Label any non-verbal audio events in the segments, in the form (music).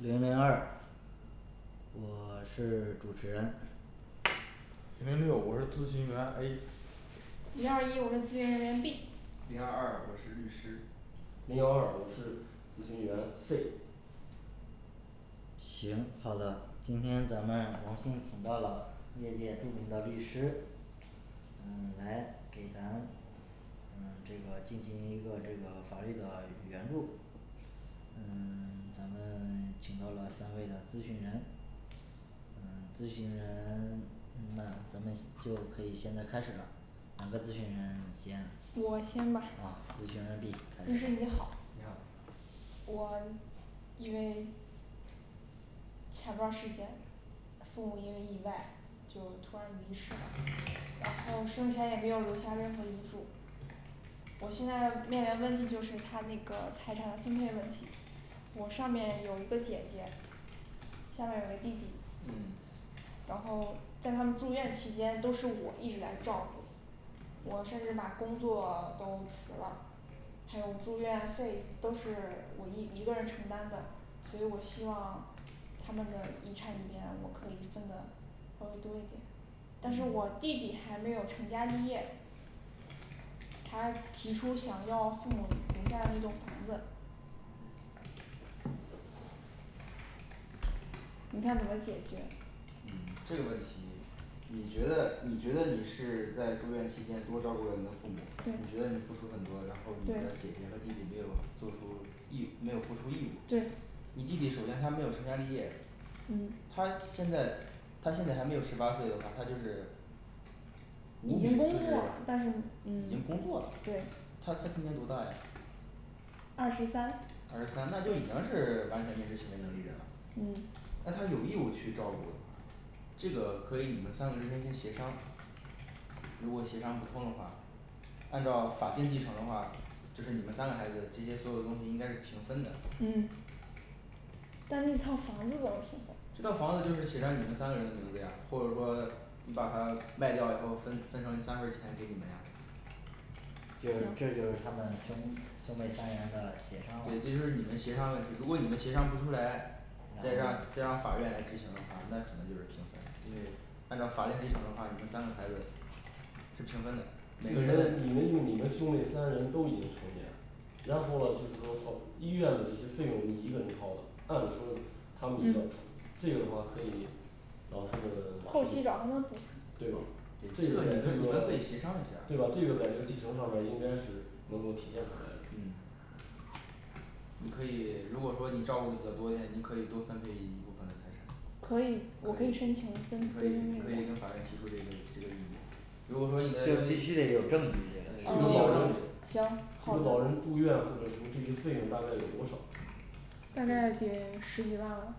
零零二我是 (silence) 主持人零零六我是咨询员A 零二一我是咨询员B 零二二我是律师零幺二我是咨询员C 行好的，今天咱们荣幸请到了业界著名的律师嗯来给咱们嗯这个进行一个这个法律的援助嗯 (silence) 咱们请到了三位的咨询人咨询人， (silence) 那咱们就可以现在开始了哪个咨询员先啊我先吧咨询员B开始律师你好你好我因为前段儿时间父母因为意外就突然离世了，然后剩下也没有留下任何遗嘱我现在面临的问题就是他那个财产分配问题我上面有一个姐姐下面儿有个弟弟嗯然后在他们住院期间都是我一直在照顾我甚至把工作 (silence) 都辞了还有住院费都是我一一个人承担的。所以我希望他们的遗产里面我可以分得稍微多一点但是嗯我弟弟还没有成家立业他提出想要父母留下的那栋房子你看怎么解决嗯这个问题你觉得你觉得你是在住院期间多照顾了你的父母，你觉对得你付出很多，然后你的对姐姐和弟弟没有做出义务，没有付出义对务。你弟弟首先他没有成家立业嗯他现在他现在还没有十八岁的话，他就是已无经民工就是作了但是嗯已经工作了对他他今年多大呀二十三二十三那就已经是 (silence) 完全民事行为能力人了嗯那他有义务去照顾这个可以你们三个人先行协商如果协商不通的话按照法定继承的话就是你们三个孩子这些所有东西应该是平分的嗯但那套房子怎么平分这套房子就是写上你们三个人的名字呀，或者说你把它卖掉以后分分成三份儿钱给你们呀就是这就是他们兄兄妹三个人的协商了对，这就是你们协商问题，如果你们协商不出来再让再让法院来执行的话，那可能就是平分，因为按照法定继承的话，你们三个孩子是平分的你每个们人你们因为你们兄妹三人都已经成年了然后喽就是说放医院的这些费用你一个人掏的，按理说他们也要出嗯这个的话可以，找他们后 (silence) 去期，找他们补对吧这这个个你这你们个可以协商一下儿对吧？这个在这个继承上面儿应该是能够体现出来的嗯你可以如果说你照顾的比较多一点，你可以多分配一部分的财产可以可以我可以申你请分多可以分你配可一以点跟法院提出这个这个异议如果说你的这必须得有证据这个这对个老哦人行这好个的老人住院或者什么这些费用大概有多少大概得十几万了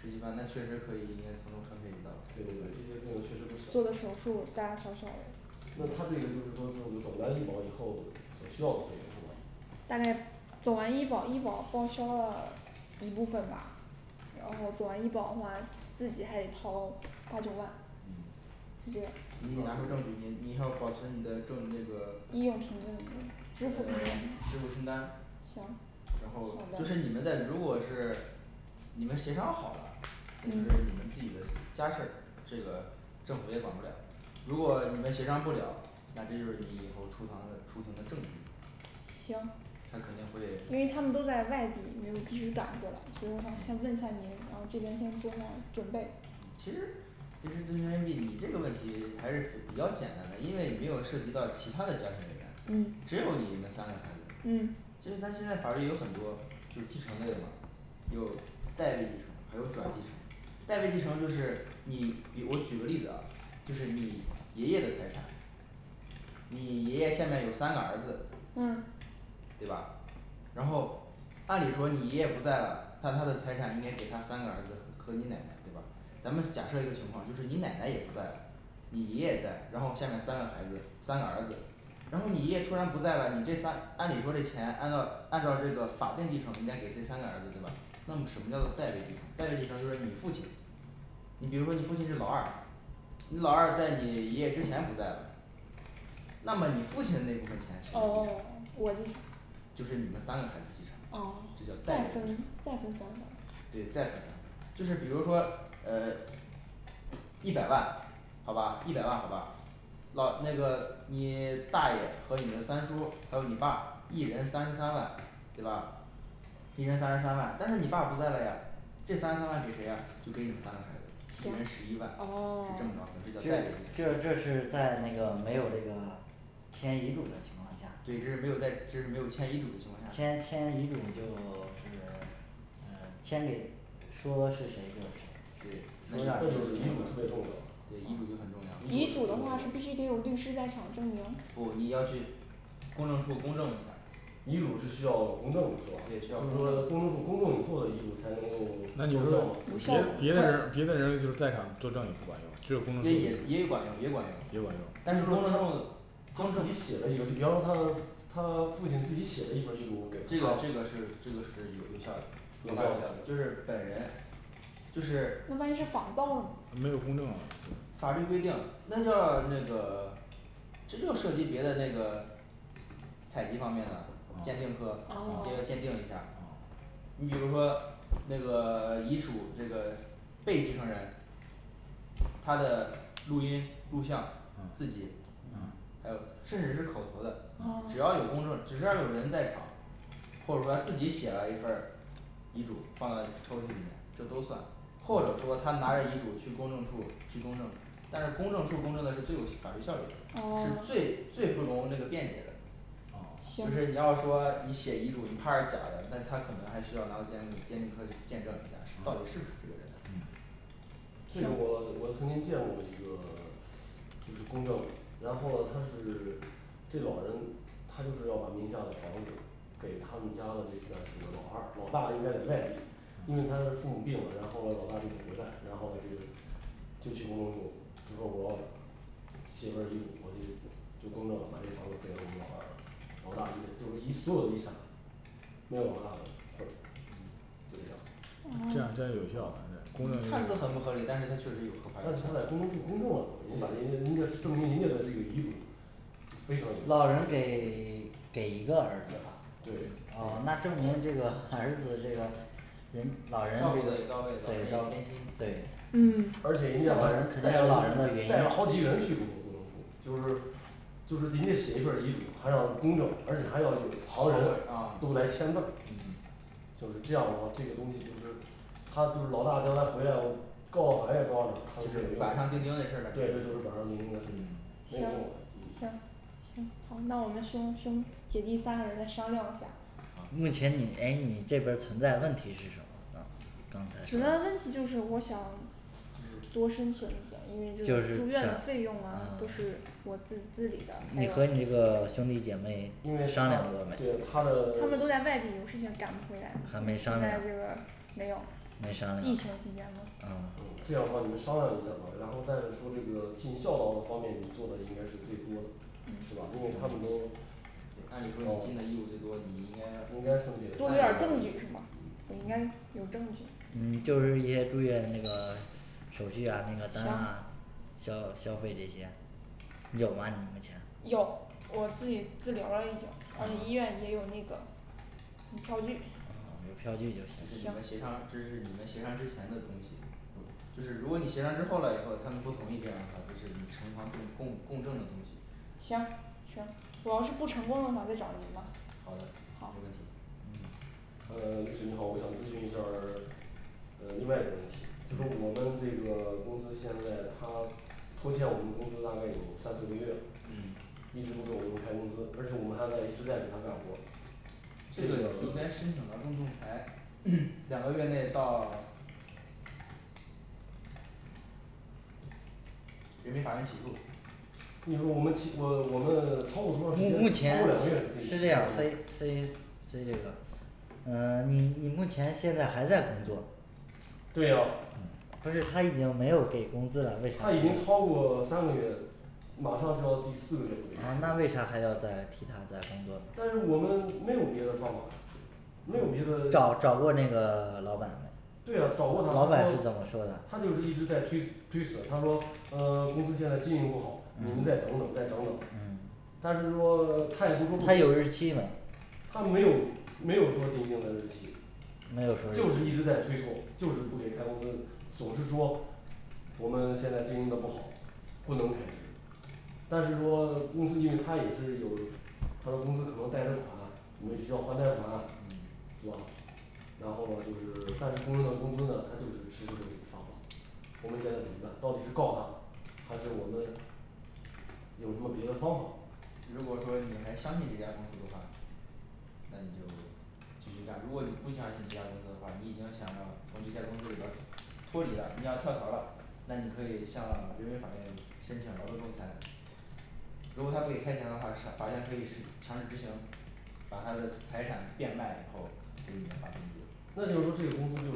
十几万那确实可以应该从中分配一到对对对这些费用确实不做个小手术大大小小的那他这个就是说是我走完医保以后所需要的费用是吧大概走完医保医保报销了 (silence) 一部分吧然后走完医保的话，自己还得掏八九万嗯是你得拿出证据，你你要保存你的证这个医用凭证支呃付凭证 (silence) 支付清单行然好后的就是你们在如果是你们协商好了，那就是嗯你们自己的家事儿，这个政府也管不了如果你们协商不了，那这就是你以后出堂的出庭的证据行他肯定会因为他们都在外地，没有及时赶过来，所以我想先问一下您，然后这边先做一下准备其实其实咨询人B你这个问题还是比较简单的，因为你没有涉及到其他的家庭人员嗯只有你们三个孩子嗯其实咱现在法律有很多就是继承类的吧有代位继承，还有转继承代位继承就是你比如我举个例子啊，就是你爷爷的财产你爷爷下面有三个儿子，嗯对吧然后按理说你爷爷不在了，但他的财产应该给他三个儿子和你奶奶对吧咱们假设一个情况就是你奶奶也不在了你爷爷在，然后下面三个孩子三个儿子然后你爷爷突然不在了，你这三按理说这钱按照按照这个法定继承应该给这三个儿子对吧那么什么叫做代位继承？代位继承就是你父亲你比如说你父亲是老二你老二在你爷爷之前不在了那么你父亲的那部分钱谁来继哦承？(silence) 我继承就是你们三个孩子继承，哦这叫再代分位继承再分三份儿对，再分三份儿。 就是比如说呃 (silence) 一百万，好吧一百万好吧老那个你大爷和你的三叔儿，还有你爸一人三十三万，对吧一人三十三万，但是你爸不在了呀这三十三万给谁呀？就给你们三个孩子，一人行十一万哦是这 (silence) 么着分，这这叫代这为继承这是在那个没有这个签遗嘱的情况下对这是没有在这是没有签遗嘱的情况下签签遗嘱就 (silence) 是 (silence) 呃签给说是谁就是谁的对那那就就是遗嘱特别重要对遗嘱就很重要遗嘱的话是必须是有律师在场证明不你要去公证处公证一下儿遗嘱是需要公证的是吧？对就需要是公说证的公证处公证以后的遗嘱才能那就够是说不奏是效也也就是别的人吗儿别的人就是在场作证也不也也管用只有公证处也管用也管也管用用但是公证处公自证己写了一个就比方说他他父亲自己写了一份儿遗嘱这给了她个这个是这个是有有效的有效的就是本人就是那万一是仿造的呢没有公证啊法律规定那就那个这就涉及别的那个采集方面的鉴定科哦这个 (silence) 鉴定一下儿你比如说那个 (silence) 遗嘱这个被继承人他的录音录像自己还有甚至是口头的嗯只要有公证只要有人在场或者说他自己写了一份儿遗嘱放在抽屉里面这都算或者说他拿着遗嘱去公证处去公证，但是公证处公证的是最有法律效力的，是哦最最不容那个辩解的不是你行要说你写遗嘱你怕是假的，那他可能还需要拿到鉴定鉴定科去见证一下到底是不是这个人的这个我我曾经见过一个 (silence) 就是公证然后喽他是 (silence) 这老人他就是要把名下的房子给他们家的，这算是个老二，老大应该在外地因为他是父母病了，然后老大就不回来，然后这个就去公证处，就说我写份儿遗嘱，我就就公证了把这个房子给了我们老二了。老大一个就是以所有的遗产没有老大的份儿嗯就这样，啊看似很不合理但是他确实有合法但是他在公证处公证了，已经把人家人家证明人家的这个遗嘱非常有老人给 (silence) 给一个儿子吧对哦那证明这哦个儿子这个人，老人这个，对着偏心，对嗯而且人家还带着带着好几个人去公证处就是就是人家写一份儿遗嘱，还要公证，而且还要有旁旁人人啊嗯都来签字儿。就是这样的话这个东西就是他就是老大将来回来我告到法院告到这哪就是板上钉钉事儿了，对，这就是板上钉钉的事情嗯。没有用行嗯行行好，那我们兄兄姐弟三个人再商量一下哈目前你诶你这边儿存在问题是什么主要的问题就是我想就是多申请一点因为就就是住是想院费用啊都是我自自己的还你有和这个兄弟姐妹因为他商量过没还对他的 (silence) 他们都在外地有事情赶不回来还没商现在量这个没有没商量疫情期间嘛啊这样的话你们商量一下嘛然后再说这个尽孝道这方面你做的应该是最多的是嗯吧因为他们都对按理说你啊尽的义务最多，你应该应该分多配留点儿证据是吧应该有证据嗯就是那些住院那个 (silence) 手续啊那个单行啊消消费这些有吗你这些有我自己自留了一然后医啊院也有那个嗯票据啊有票据就就是你们行协商，这是你们协商之前的东西。就是如果你协商之后了以后他们不同意，这样的话就是你呈堂供供供证的东西行行我要是不成功的话再找您吗好的没好问题呃 (silence) 律师您好我想咨询一下儿 (silence) 呃另外一个问题就嗯是我们这个 (silence) 公司现在他拖欠我们工资大概有三四个月嗯，一直不给我们开工资而且我们还在一直在给他干活儿这这个个 (silence) 你应该申请劳动仲裁。 (hesitation) 两个月内到人民法院起诉因为我们起我我们后儿多长时间超过目前两是个这月样可以所以所以所以这个呃你你目前现在还在工作对呀不是他已经没有给工资了为啥他已经超过三个月马上就要第四个月不给啊那为啥还要再替他们再工作，但是我们没有别的方法呀没有别的找找过那个 (silence) 老板没对呀找过他老板他说是怎么说的他就是一直在推推迟，他说呃公司现在经营不好，你们嗯再等等再等等但是说 (silence) 他也不是说不给他有日期没他没有没有说定性的日期没有说日就是一直期在推脱就是不给开工资，总是说我们现在经营得不好不能开支但是说公司因为它也是有他说公司可能贷的款我们需要还贷款是吧然后呢就是 (silence) 但是工人的工资呢他就是迟迟不给发放我们现在怎么办？ 到底是告他，还是我们有什么别的方法吗如果说你还相信这家公司的话那你就 (silence) 继续干如果你不相信这家公司的话，你已经想要从这家公司里边儿脱离了你要跳槽儿了，那你可以向人民法院申请劳动仲裁如果他不给开钱的话，是法院可以是强制执行把他的财产变卖以后给你们发工资。那就是说这个公司就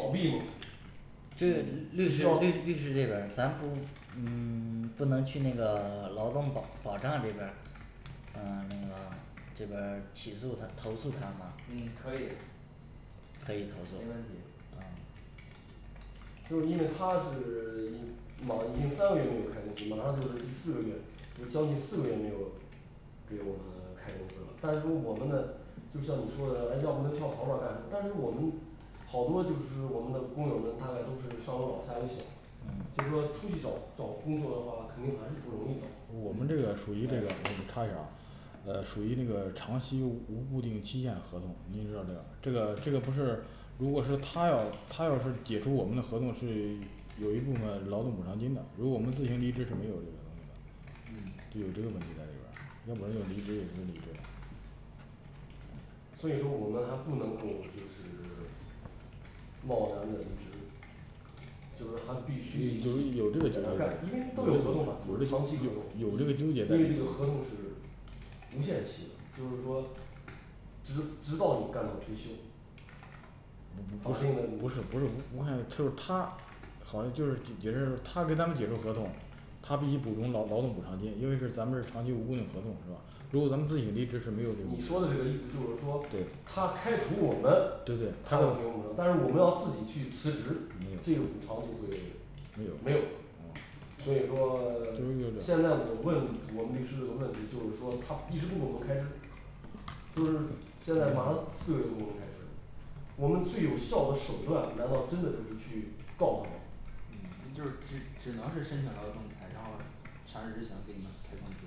倒闭嘛这必这须是要必须这个咱不嗯 (silence) 不能去那个劳劳动保保障这边儿嗯那个这边儿起诉他投诉他吗嗯可以可以投没诉问题啊就是因为他是 (silence) 一马已经三个月没有开工资，马上就是第四个月就将近四个月没有给我们开工资了但是说我们呢就像你说的，诶要不就跳槽儿吧干什么，但是我们好多就是我们的工友们大概都是上有老下有小就是说出去找找工作的话肯定还是不容易找嗯我们这对个属于这儿差一点呃属于这个长期无固定期限合同，您知道这个这个不是。如果是他要他要是解除我们的合同，是有一部分劳动补偿金的，如果我们自行离职是没有的嗯对于这个问题来说，要不然就离职也没有所以说我们还不能够就是 (silence) 贸然的离职就是还必须得有有这个在这儿干，因为都有合同嘛就是长期合同，因有为这个纠结在这个合同是无限期就是说直直到你干到退休法定的这个不是不是我想就是他好像就是你觉得是他跟咱们解除合同。他必须主动劳动补偿金，因为是咱们是长期无固定的合同如果咱们自己离职是没有这个你说的这个意思就是说对他开除我们对对，他要给我们，但是我们要自己去辞职这个补偿就会嗯没没有有了了所以说 (silence) 现在我问我们律师这个问题就是说他一直不给我们开支就是现在马上四月不给我们开支我们最有效的手段难道真的就是去告他们嗯就是只只能是申请劳动仲裁，然后强制执行给你们开工资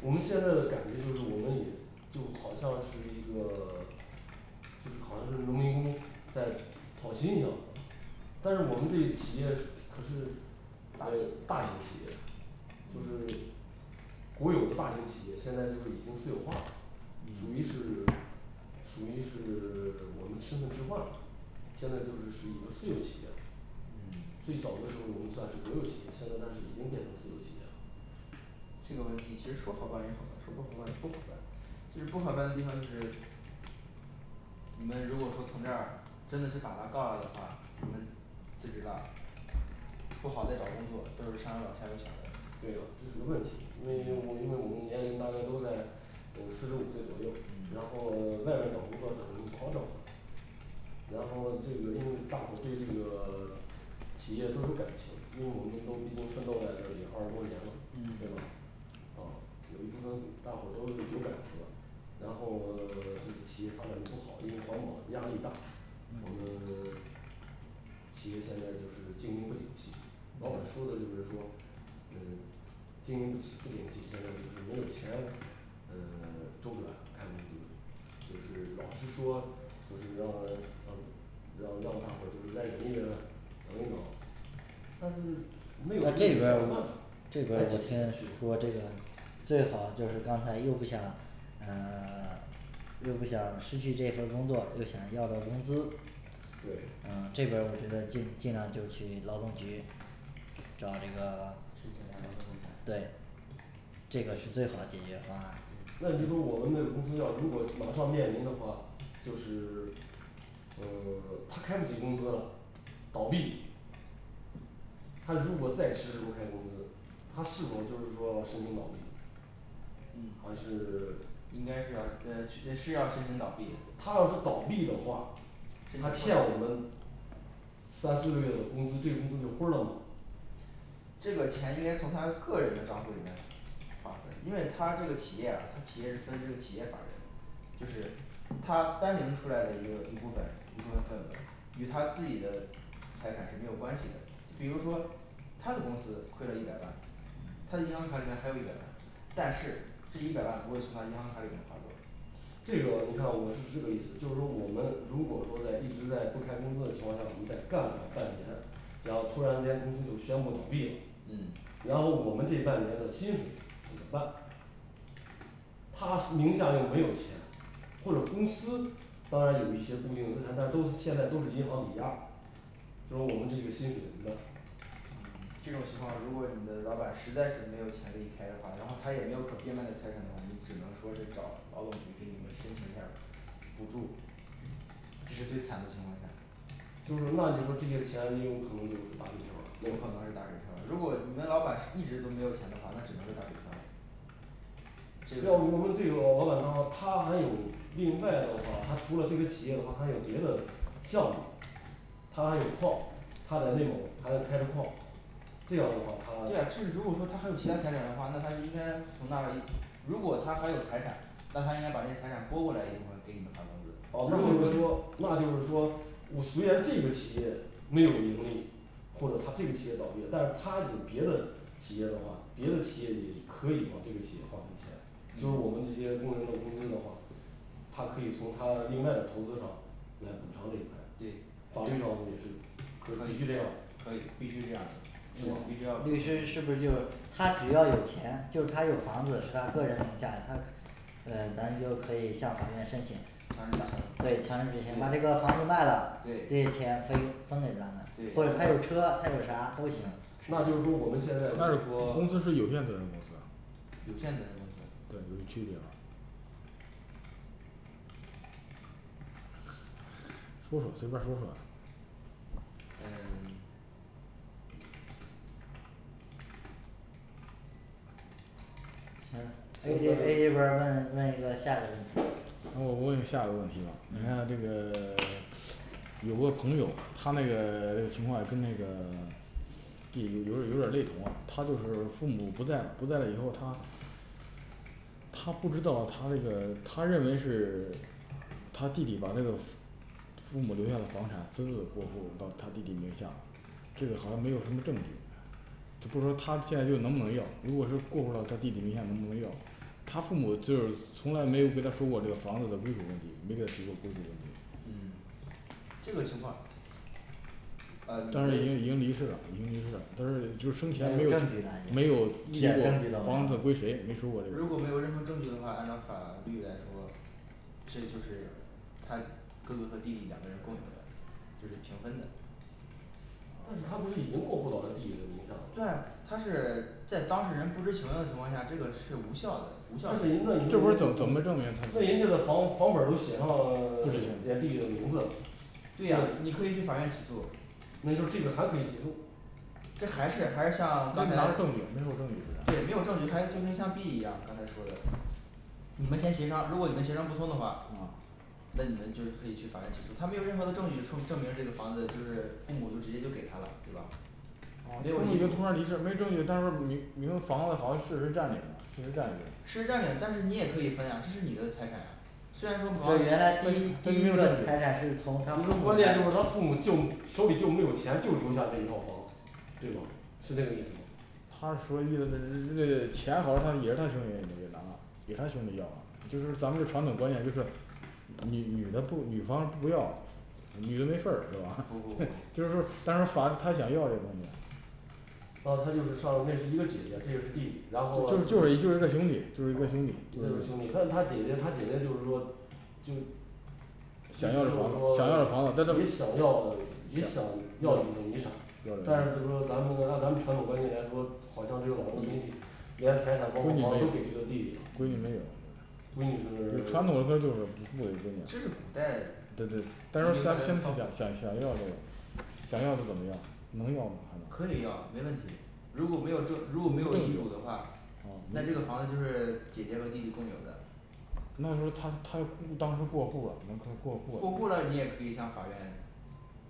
我们现在的感觉就是我们也就好像是一个 (silence) 就是好像是农民工在讨薪一样但是我们这些企业可是呃大企业大型企业就是 (silence) 国有的大型企业现在就是已经私有化了属嗯于是 (silence) 属于是 (silence) 我们身份置换现在就是是一个私有企业了嗯最早的时候我们算是国有企业，现在但是已经变成私有企业了这个问题其实说好办也好办，说不好办也不好办，就是不好办的地方就是你们如果说从这儿真的是把他告了的话，你们辞职了不好再找工作，都是上有老下有小的对啊，这是个问题，因为嗯我们我们年龄大概都在呃四十五岁左右嗯，然后 (silence) 外面找工作可能不好找然后了这个因为大伙对这个 (silence) 企业都有感情，因为我们都毕竟奋斗在这里二十多年了，对嗯吧哦有一部分大伙儿都有感情了然后呃 (silence) 那个企业发展的不好，因为环保压力大我们 (silence) 企业现在就是经营不景气嗯，老板说的就是说呃经营不起不景气，现在就是没有钱，呃 (silence) 周转开工资，就是老是说就是让让让让大伙儿就是再忍一忍，等一等但是没有没那有办这边儿法有这里边儿来解我听决的是说这个最好就是刚才又不想啊 (silence) 又不想失去这份儿工作又想要到工资对呃这边儿我觉得尽尽量就去劳动局找一个申请下劳动仲裁对这个是最好的解决方案那你就说我们这个公司要如果马上面临的话就是 (silence) 呃 (silence) 他开不起工资了倒闭他如果再迟迟不开工资，他是否就是说要申请倒闭还是嗯， (silence) 应该是要呃赤 (unintelligible) 呃是要申请倒闭他要是倒闭的话他欠我们三四个月的工资这个工资就昏儿了吗这个钱应该从他个人的账户里面划分，因为他这个企业呀他企业是分这个企业法人就是他单领出来的一个一部分一部分份额，与他自己的财产是没有关系的。 比如说他的公司亏了一百万他的银行卡里面还有一百万，但是这一百万不会从他银行卡里面划过这个你看我是这个意思，就是说我们如果说在一直在不开工资的情况下，我们再干上半年然后突然之间公司就宣布倒闭了嗯然后我们这半年的薪水怎么办他名下又没有钱或者公司当然有一些固定资产，但是都现在都是银行抵押就说我们这个薪水怎么办这种情况儿如果你的老板实在是没有钱给你开的话，然后他也没有可变卖的财产的话，你只能说是找劳动局给你们申请一下儿补助这是最惨的情况下就是说那你说这些钱就有可能就是打水漂儿了，就有可能是打水漂儿了，如果你们老板一直都没有钱的话，那只能是打水漂儿了这个要不我们这个老板他他还有另外的话，他除了这个企业的话，他还有别的项目儿他还有矿他在内蒙还开着矿这样的话他对呀赤 (unintelligible) 如果说他还有其它财产的话，那他应该从那如果他还有财产，那他应该把这个财产拨过来一部分给你们发工资哦如果就是说那就是说我虽然这个企业没有盈利或者他这个企业倒闭了，但是他有别的企业的话，别的企业也可以往这个企业划分钱。就嗯是我们这些工人的工资的话他可以从他另外的投资上来补偿这一块对法律上我们也是可可以以必须这样可以必须这样儿的是吧必律师须要是不是就他只要有钱就他有房子，他个人名下他呃咱就可以向法院申请强制，执行对强制执行把这对个房子卖了，对这些钱分分给咱们，我或对者他们有车他有啥都行嗯们那就是说我们现在就是那说公司是有限责任公司有限责任公司有什么区别吗说说随便儿说说呃 (silence) 嗯A A这边儿问问一个下一个问题然后我问下一个问题吧你看这嗯个 (silence) 有个朋友他那个 (silence) 情况跟那个 (silence) B有有点儿有点儿类同吧他就是父母不在了不在了以后他他不知道他这个他认为是 (silence) 他弟弟把那个父母留下的房产私自过户到他弟弟名下，这个好像没有什么证据就是说他现在就能不能要，如果是过户儿到他弟弟名下能不能要他父母就是从来没有跟他说过这个房子的归属问题，没给他提过归属问题嗯这个情况儿呃就是已以为经已经离世了已经离世了他是就证据呢一点儿生没有证据都没没有有意见房子归谁，没说过这个事如果没有儿任何证据的话，按照法律来说这就是他哥哥和弟弟两个人共有的就是平分的但是他不是已经过户到他弟弟的名下了吗在他是在当事人不知情的情况下，这个是无效的无效但是人那你就就是是说说我怎怎么那证明他人家的房房本儿都写上 (silence) 人弟弟的名字了对呀你呃可以去法院起诉那就是这个还可以起诉这还是还是没有像刚才啥证据没有证据对没有证据还就像B一样刚才说的你们先协商，如果你们协商不通的话啊那你们就是可以去法院起诉他，他没有任何的证据说证明这个房子就是父母就直接就给他了，对吧没有遗嘱离世没证据，但是你你那个房子好像是事实占领了事实占领事实占领但是你也可以分呀，这是你的财产呀虽然就说主是原要是来第一第一个财产是你说从他这个关键就是他父母就手里就没有钱就留下这一套房字对吧是这个意思吗他说意思那个钱好像也是他兄弟拿了，也是他兄弟要了就是咱们的传统观念就是女的不女方不要女的没份儿是吧不不？不 (noise) 就是不说但是说反正他想要这个东西那他就是上面儿那是一个姐姐，这个是弟就是就是弟，然后喽就是一就是对儿兄弟一就对是一对儿儿兄兄弟弟那他姐姐他姐姐就是说就是意思就是说也想要也想想要房子但是要一部分遗产但是就是说咱们按咱们传统观念来说，好像只有老人的东西连财产包都给括房子都给这个弟弟了闺女没有，嗯闺女是传统说就是 (silence) 不给闺这是女古代遗想想留下来的要这个想要这怎么样能要吗可以要没问题如果没有这如果没有遗嘱的话那这个房子就是姐姐和弟弟共有的那要是说他他当时过户了过过户了户了你也可以向法院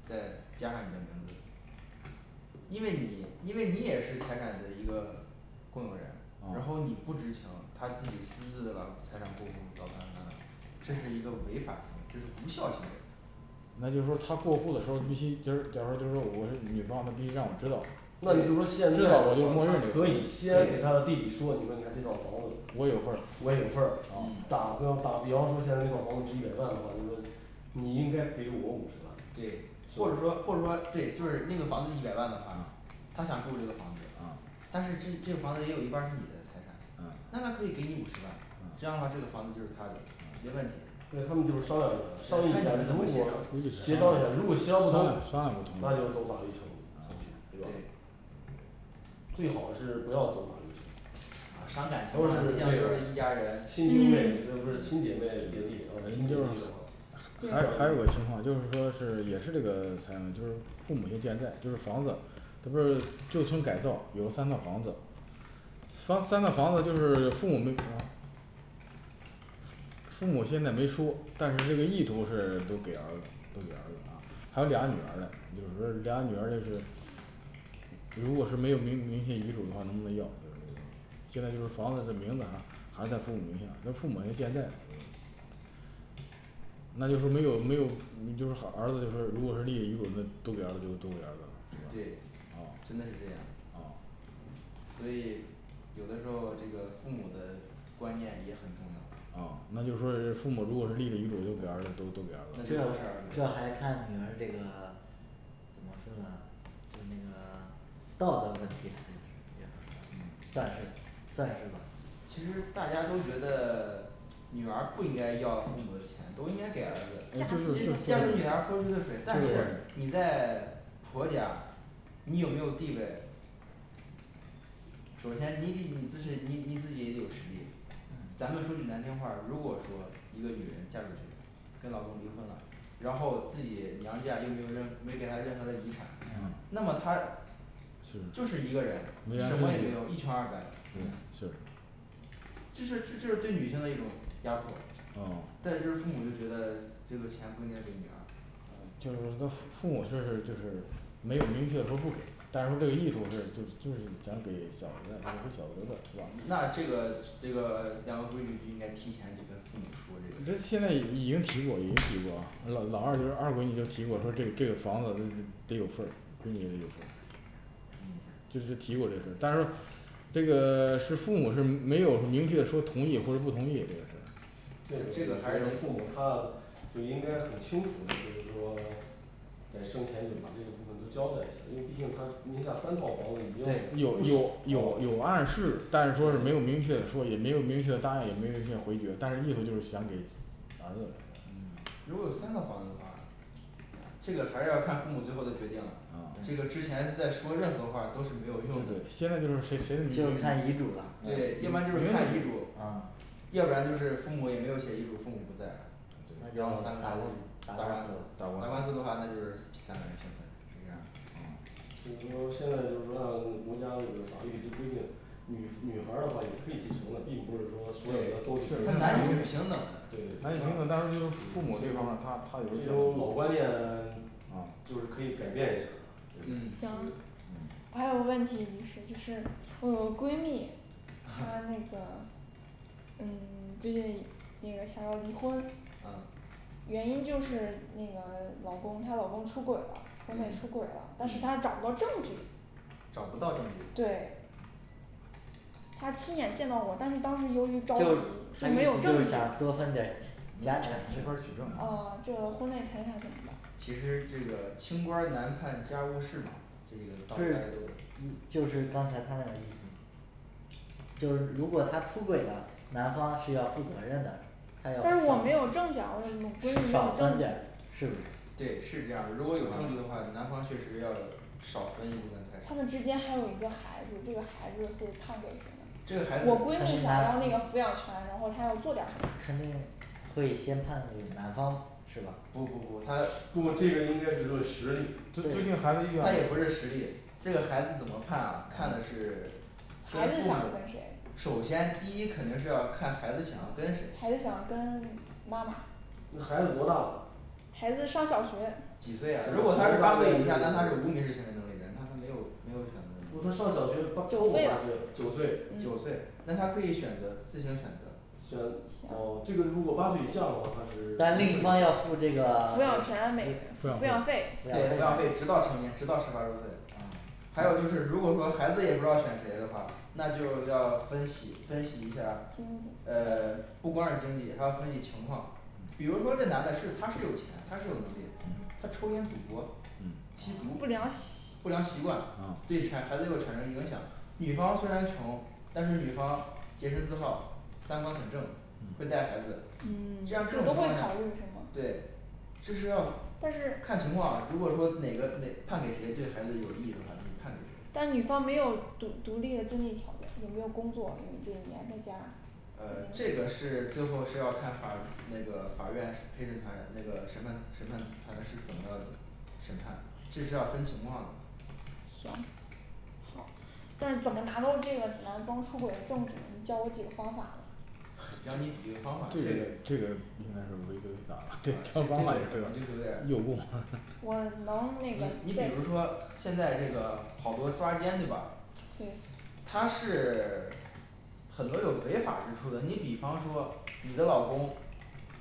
再加上你的名字因为你因为你也是财产的一个共有人，然后啊你不知情，他自己私自的把财产过户到他那儿这是一个违法行为，这是无效行为那就是说他过户的时候儿，你必须就是假如就是说我是女方必须让我知道对吧那也就是说现在知的道话，对他我可以先给他的弟弟说，你说你看这套房子我也有份儿我也有份儿，嗯打个打比方说现在那套房子值一百万的话，就是说你应该给我五十万对或者是或者说对那个房子一百万的话他想住这个房子，啊但是这这个房子也有一半儿是你的财产，啊那他可以给你五十万这样的话这个房子就是他的没问题对他们就是商量，看商议你一下们怎如么果，协商协商一下如果协商不商量不通通，那那就就是是走法律程序，程序对吧对最好是不要走法律程序。伤感情嘛都是，毕竟都对是一家人亲兄嗯妹不是不是亲姐妹姐弟，啊亲姐弟的话对还有还有个情况就是说是也是这个嗯就是父母也健在就是房子不是旧村改造有三套房子他三套房子就是父母没父母现在没说，但是这个意图是都给儿子了都给儿子还有两个女儿嘞。就是说俩女儿这个如果是没有明明显遗嘱的话，能不能要现在就是房子的名字。还在父母名下，那父母还健在那就说没有没有就是好儿子就是，如果是立遗嘱就都给儿子都给儿子了对哦真的是这样哦所以有的时候这个父母的观念也很重要哦那就说是父母如果是立了遗嘱都给儿子就都给儿子了那这这都是儿子这的还看女儿这个怎么说呢就那个道德问题算是算是吧其实大家都觉得 (silence) 女儿不应该要父母的钱，都应该给儿子嫁嫁出出女去儿泼出去的水但是你在 (silence) 婆家你有没有地位首先你得你自身你你自己也得有实力咱们说句难听话儿，如果说一个女人嫁过去跟老公离婚了，然后自己娘家又没有任没给他任何的遗产哦那么她就对是一个人什么也没有，一穷二白就是这就是这就是对女性的一种压迫哦。但是就是父母就觉得这个钱不应该给女儿就是他父母这就是没有明确说不给，但是说这个意图是就就是想给小子就是想给小子留着。那这个这个两个闺女就应该提前去跟父母说这个事儿现在已经提过一次了，老老二就是二闺女已经提过，他说这个这个房子得有份闺女也有份这事提过这事但是说这个 (silence) 是父母是没有明确说同意或者不同意这这个个我觉还是得父母他啊应该很清楚的就是说 (silence) 在生前就把这个部分都交代一下，因为毕竟他名下三套房子已经对有有有有暗示，但是说是没有明确的说，也没有明确的答应，也没有明确的回绝，但是意思就是想给房子嗯如果有三套房子的话这个还是要看父母最后的决定了，啊这个之前在说任何话儿都是没有用对的现在就是谁谁就看遗嘱了对要不然没就是有看遗遗嘱嘱啊要不然就是父母也没有写遗嘱，父母不在了然后三个孩子去打打官官司司，打官司的话那就是三个人平分是这样儿的就是说现在就是说按国家这个法律规定，女女孩儿的话也可以继承的，并不是说所有的东西对对对他对男女是平等的男女嗯平等但是就是父母这方面他他有这这种种老观念 (silence) 啊就是可以改变一下儿嗯是行我还有个问题律师就是我有个闺蜜 (noise) 她那个嗯最近那那个想要离婚啊原因就是那个老公他老公出轨了，婚内嗯出轨了，但是嗯她找不到证据找不到证据，对他亲眼见到过，但是当时就由于着急，就他没有就证是据想多分点儿家产没法儿取证呃这个婚内财产怎么其实这个清官儿难判家务事嘛。这个就是刚才他那个意思就是如果他出轨了男方是要负责任的他要少但是我分没点有证据啊我那个闺蜜没有证据是不是对是这样儿的，如果有证据的话啊，男方确实要少分一部分财他产们之间还有一个孩子，这个孩子会判给谁呢我闺蜜想要肯那定孩个抚养权，然后他要做点儿什么肯定所以先判给男方，是吧不不不他不这个应该是论实力遵对尊敬孩子意愿吗他也不是实力，这个孩子怎么判啊，看的是 (silence) 孩子先父母想要跟谁首先第一肯定是要看孩子想要跟谁孩子想要跟妈妈那孩子多大了孩子上小学几岁呀，如果他是八岁以下那他是无民事行为能力人那他没有选不他上择小的学权力他超过九八岁岁了了九九嗯岁岁那他可以选择自行选择选哦这个如果八岁以下的话他是但另一方没有要付这个 (silence) 抚养权那抚养费对抚养费直到成年直到十八周岁还有就是如果说孩子也不知道选谁的话，那就要分析分析一下儿，经济呃 (silence) 不光是经济还要分析情况比如说这男的是他是有钱，他是有能力的，他抽烟、赌博吸毒不良习不良习惯哦对产孩子要产生影响，女方虽然穷，但是女方洁身自好，三观很正会带孩子嗯。这样儿这种都情会况下考虑是吗？对这是要但是看情况啊，如果说哪个哪判给谁，对孩子有意义的话，就判给谁但女方没有独独立的经济条件，也没有工作，因为这一年在家呃这个是最后是要看法那个法院陪审团那个审判审判团是怎么审判这是要分情况的行但是怎么拿到这个男方出轨的证据，你教我几个方法讲你几个方法这这个个这个违法这超纲个有点儿诱误我能那个你比如说现在这个好多抓奸对吧对他是 (silence) 很多有违法儿之处的，你比方说你的老公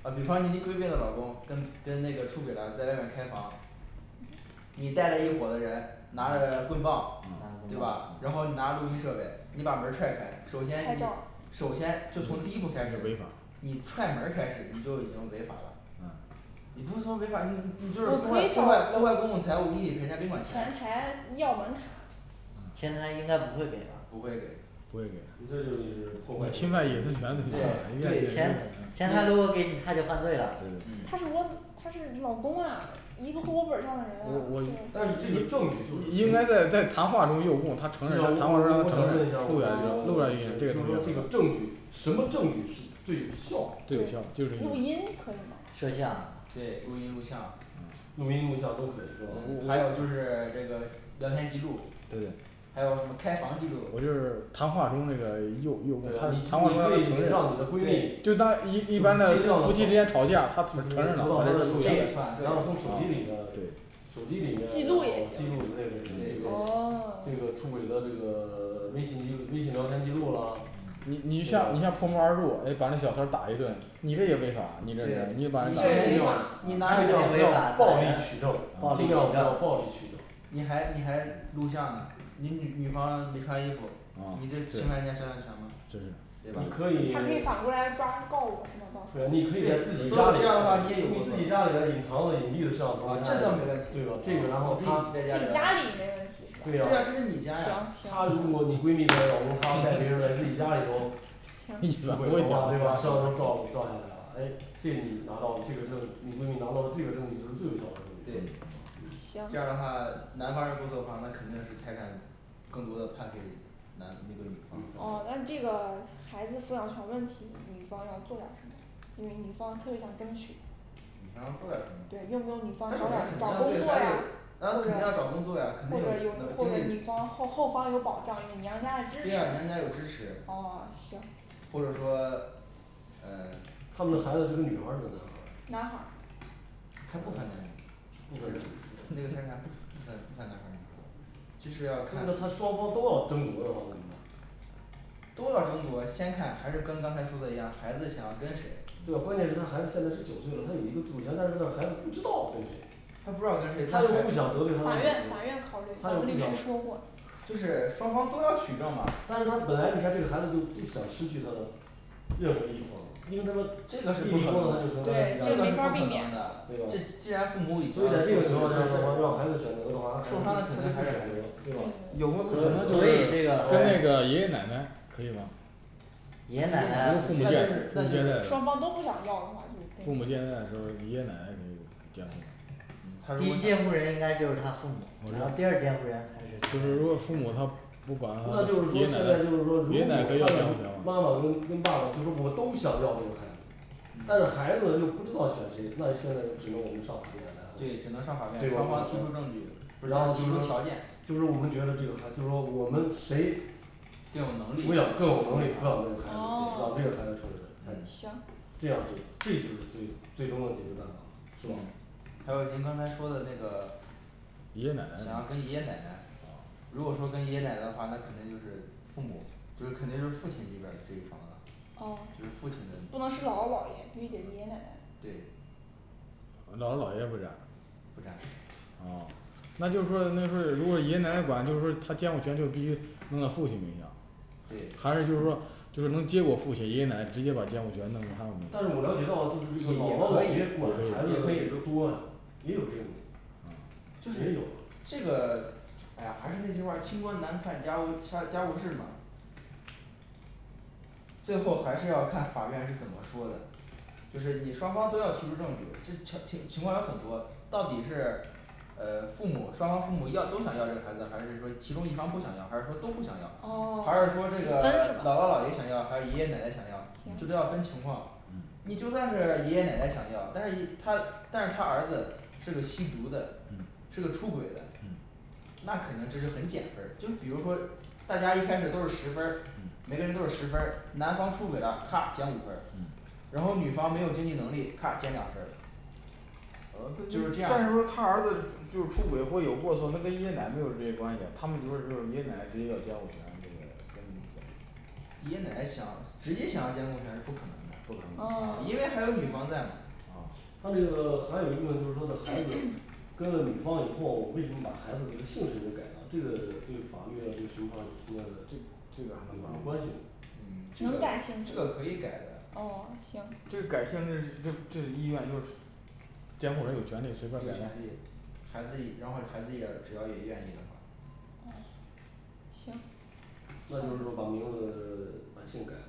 呃比方你一闺蜜的老公跟跟那个出轨了在外面开房你带着一伙子人拿着棍棒对吧然后你拿着录音设备你把门儿踹开，首拍先你照儿首先就从第一步开始违法了你踹门儿开始你就已经违法了你不是说违法，你你就是我破可坏以破找坏破坏公共财物，你得陪人家宾馆钱，前台要门卡前台应该不会给吧不会给不会给你这就是破坏侵犯隐私权犯对对法前前台如果给你他就犯罪了他嗯是我他是老公啊一个户口本儿上的人啊但是这个我证据就我是应该在在谁谈话儿中也有误他我我想问一下儿我们这个律可能在谈话儿中师就对是说这个就是证据什么证据是最有效的对录音可以吗摄像对录音录像录音录像都可以对吧嗯还有就是这个聊天记录对还有什么开房记录我就是谈话中这个用对啊你用谈话儿你可以让你的中闺蜜，就就当是一一尽般量的的就夫妻是之得间吵架到他的这也手机算，这然也后从手机算里啊对手机里面然后记记录录之类也行的，这个哦 (silence) 这个出轨的这个 (silence) 微信记录，微信聊天记录啦你你像你像破门而入诶把那小三儿打一顿你这也违法对首你这你这把尽量人先你有你拿不着要暴力取证暴力尽取证量不要暴力取证你还你还录像呢你，你女女方没穿衣服哦你这是是侵犯人家肖像权吗对他吧你可可以以 (silence) 反过来抓告我是吗，到时对候这你可以在自己家里边样的话儿你也你有自己错家里啊边儿隐藏的隐蔽的摄像头儿这样没问题对吧这个然后自他你自己己在家家里里边没儿问题是吧对对呀啊这是你家呀行行他如行果你闺蜜的老公，他要带别人儿来自己家里头一行出轨的话对吧？摄像头儿照照下来了，诶这你拿到了这个你闺蜜拿到了这个证据就是最有效的证据对这样儿行的话男方人这座房子肯定是财产更多的判给男那个女女方方啊那这个孩子抚养权问题，女方要做点儿什么？因为女方特别想争取女方要做点儿什么她首先肯定对孩子有对用不用女方找点儿找工作啊肯定要找工作呀呀肯或定者有或对呀者有或者女方后后方有保障有娘娘家嘞支家有支持持哦行或者说 (silence) 呃他们的孩子是个女孩儿，是个男孩儿男孩儿他不分男女不分男女那个财产不分不分不分男孩儿女孩儿这是要看他双方都要争夺的话怎么办都要争夺先看，还是跟刚才说的一样，孩子想要跟谁，对，关键是他孩子现在是九岁了，他有一个自主权，但是这孩子不知道跟谁他不知道跟谁这他还又不是想得罪他的母法亲院法院他又考不虑律师想说过了就是双方都要取证嘛，但是他本来你看这个孩子就不想失去他的任何一方，因为他这个是不可能的这个是不可能的不用他就承担，对对吧所这以没法儿避免的，这既然父母已经在在这个情受况下的话让孩子选择的话那伤孩子的都肯都定还不是选孩择子对吧有没有可能所以这个跟那个爷爷奶奶可以吧爷爷奶那就奶是那就是双方都不想要的话就可父以母健在的时候儿爷爷奶奶就是监护就是他第说一监护人啥应该就是他父母，然后第二监护人才那就是说现在就是说是如果父母他不如果管的话爷爷奶奶他的妈妈跟跟爸爸就是说我们都想要这个孩子但是孩子又不知道选谁，那现在就只能我们上法院来回对只能上法院对双吧方提出证据然然后后就提出是说条件就是我们觉得这个孩就是说我们谁更有能力抚养更有能力抚养这个孩子养哦 (silence) 对这个孩子成人才行这样是这就是最最终的解决办法，是吧？嗯还有您刚才说的那个爷爷奶奶想要跟爷爷奶奶如果说跟爷爷奶奶的话，那可能就是父母就是肯定是父亲这边儿的这一方哦的就是父亲的不能是姥姥姥爷，必须给爷爷奶奶对姥姥姥爷不占不占啊那就是说那就是如果是爷爷奶奶管就是说他监护权就必须弄到父亲名下对还是就是说就是能接过父亲爷爷奶奶直接把监护权弄到他们名但下是我了解到就是这也个姥可姥姥以爷管孩子多也有这种就也是有这个哎呀还是那句话儿清官难判家务掐 (unintelligible) 家务事嘛最后还是要看法院是怎么说的就是你双方都要提出证据，这情情情况有很多，到底是呃父母双方父母要都想要这个孩子，还是说其中一方不想要，还是说都不想哦要，还是我说这个们姥姥姥爷想要，还是爷爷奶奶想要，这都行要分情况。你就算是爷爷奶奶想要，但是一他但是他儿子是个吸毒的是个出轨的嗯肯定这是就很减分儿，就比如说大家一开始都是十分儿每个人都是十分儿，男方出轨了咔减五分儿嗯然后女方没有经济能力卡减两分儿呃就就是是这样但是的说他儿子就是出轨或有过错，那跟爷爷奶奶没有直接关系呀，他们就是就是爷爷奶奶直接要监护权这个爷爷奶奶想直接想要监护权是不可能不可的啊能的啊因为还有女方在吗她那个 (silence) 还有一部分就是说的孩子跟了女方以后，为什么把孩子这个姓氏也改了，这个对法律的这个情况儿有什么这个这有什个么关系吗嗯这能个改姓氏这个可以改的哦行这个改姓氏就是这个意愿就是监护人有权利有权利随便儿改孩子一，然后孩子也只要也愿意的话哦行那就是说把名字 (silence) 把姓改了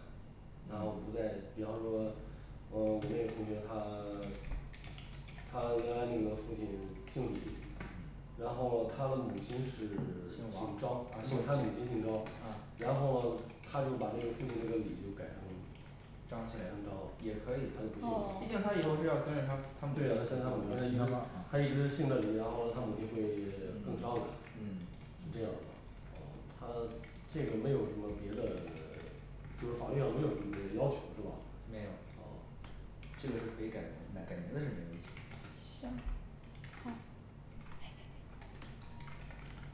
然后不再比方说呃我那个同学他 (silence) 他原来那个父亲姓李然后喽他的母亲是 (silence) 姓姓王张，姓他的母亲姓张啊，然后喽他就把这个父亲这个李就改成张姓张起来更赵了也可以毕哦竟他以后是要跟着他对呀他他母跟着他母亲他一亲直他一直姓着李然后喽他母亲会 (silence) 嗯更伤感嗯是这样的他这个没有什么别的 (silence) 就是法律上没有什么别的要求是吧？没有啊这个是可以改名的，改名字是没问题行好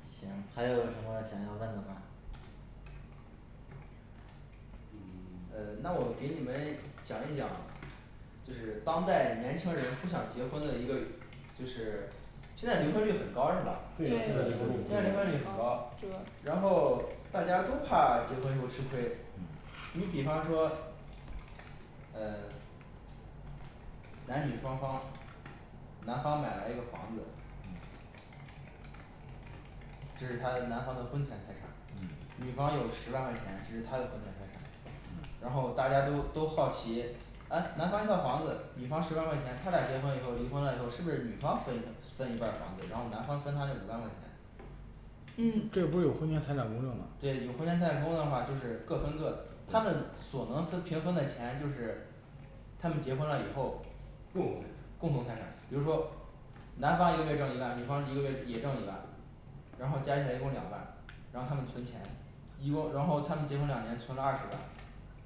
行，还有什么想要问的吗嗯 (silence) 呃那我给你们讲一讲就是当代年轻人不想结婚的一个就是现在离婚率很高是吧对呀现对在离现婚在离婚率率很高很高然后大家都怕结婚以后吃亏你比方说呃男女双方男方买了一个房子这是他男方的婚前财产嗯，女方有十万块钱这是她的婚前财产然后大家都都好奇诶男方一套房子女方十万块钱，他俩结婚以后离婚了以后是不是女方分一个分一半儿房子，然后男方分她那五万块钱嗯这个不是有婚前财产公证吗对有婚前财产公证的话就是各分各的他们所能分平分的钱就是他们结婚了以后共共同财产，比如说男方一个月挣一万，女方一个月也挣一万然后加起来一共两万，然后他们存钱一共然后他们结婚两年存了二十万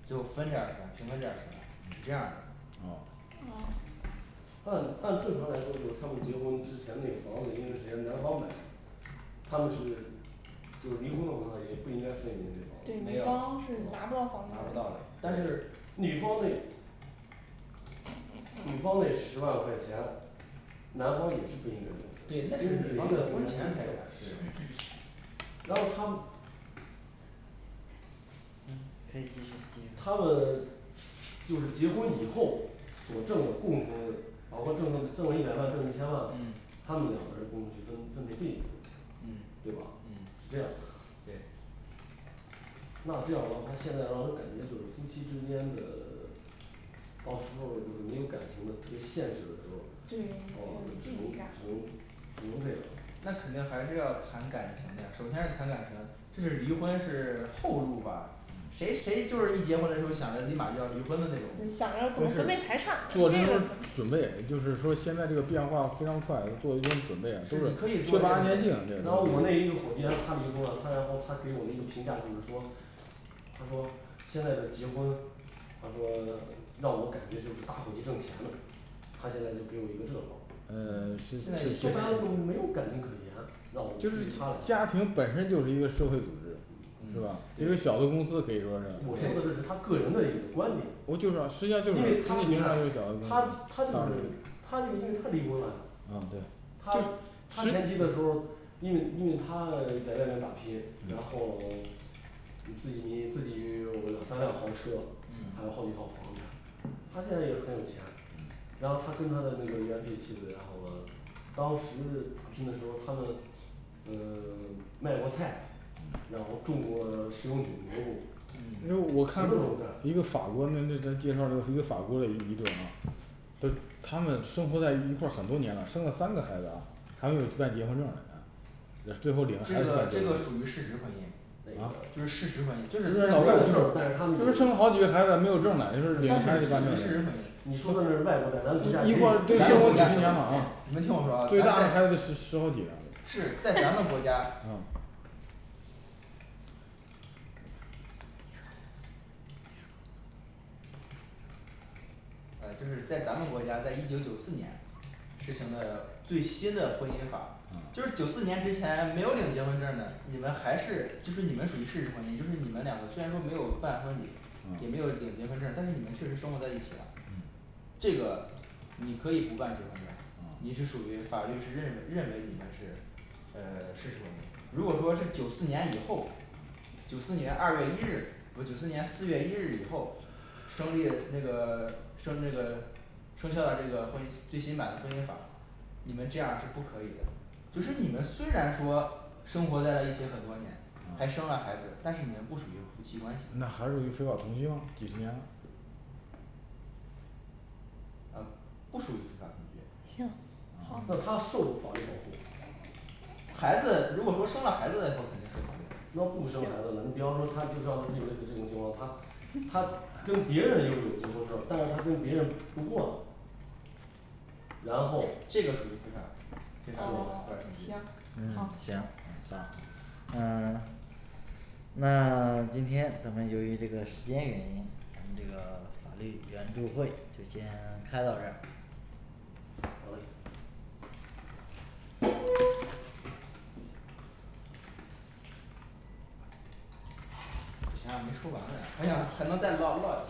就分这二十万平分这二十万是这样儿的哦啊按按正常来说就是他们结婚之前那房子因为是人家男方买的他们是就是离婚的话她也不应该分人家那房子对没女有方是拿不拿到哦房子不的到的但是女方那女方那十万块钱男方也是不应该的对那是女方的婚前财产 (hesitation) 对然后他嗯可以继续继续他们就是结婚以后所挣的共同的，哪怕挣了挣了一百万挣一千万嗯，他们两个人共同去分分配这一部分钱嗯，对吧？嗯是这样的对那这样的话他现在让人感觉就是夫妻之间的 (silence) 到时候儿就是没有感情的特别现实的时候儿，就是觉得到了就距只能离感只能只能这样儿了那肯定还是要谈感情的呀，首先是谈感情，这是离婚是后路儿吧谁谁就是一结婚的时候想着立马就要离婚的那做这种，对手想着怎么分配财产的这儿种，准备就是说现在这个变化非常快，做一些准备是你可就是以就做是一些准备然后我那一个伙计然后他离婚了，他然后他给我一个评价就是说他说现在的结婚他说 (silence) 让我感觉就是大伙去挣钱呢他现在就给我一个这话，呃说白了就是没有感情可言让就我就对是于他家来说庭本身就是一个社会组织嗯是吧对一个小的公司可以就说五我说是的这 K 是他个人的一个观点我就是啊实际上就是特因别为他你小看的公他司他就是他就是因为他离婚了啊对他他前期的时候儿因为因为他 (silence) 在外面打拼，然后 (silence) 你自己你自己有 (silence) 两三辆豪车，嗯还有好几套房产，他现在也很有钱然后他跟他的那个原配妻子，然后了当时打拼的时候他们嗯 (silence) 卖过菜然后种过食用菌，就嗯是蘑我菇什看么过都干一个法国的那那个介绍的一个法国的一对儿啊说他们生活在一一块儿很多年了，生了三个孩子啊，还没有办结婚证儿嘞还呃最后领着这孩子个这个们属于事实婚姻就是啊事实婚姻就没是有证儿但是他们不是生了好几个孩子还没有有证但是属于事实儿嘞就婚是姻你说的是外国这儿咱国家也有咱也有事们国家实婚你们听我说啊咱在最大的孩子十十好几了都啊是在咱们国家啊你说呃就是在咱们国家在一九九四年实行的最新的婚姻法就是九四年之前没有领结婚证儿的，你们还是就是你们属于事实婚姻，就是你们两个虽然说没有办婚礼也没有领结婚证儿，但是你们确实生活在一起了嗯这个你可以不办结婚证儿，你啊是属于法律是认为是认为你们是呃 (silence) 事实婚姻如果说是九四年以后九四年二月一日不九四年四月一日以后胜利的那个 (silence) 生那个生效的这个婚姻最新版的婚姻法你们这样儿是不可以的就是你们虽然说生活在了一起很多年还生了孩子，但是你们不属于夫妻关系，那还是属于非法同居吗？几十年了呃不属于非法同居行好那他受法律保护孩子如果说生了孩子来说肯定受法律保护那不生孩子呢你比方说他就像B的这种这种情况他他跟别人又有结婚证儿，但是他跟别人不过了然后这个属于非法同居非法嗯哦行好行好嗯 (silence) 那 (silence) 今天咱们由于这个时间原因咱们这个法律援助会就先开到这儿好嘞不行没说完嘞，还想还能再唠唠